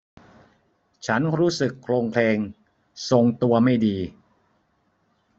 ฉันรู้สึกโคลงเคลงทรงตัวไม่ดี